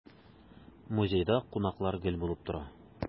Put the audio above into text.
Музейда кунаклар гел булып тора.